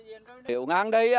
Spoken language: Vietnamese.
nếu ngang đây á